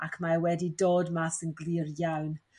ac mae wedi dod mas yn glir iawn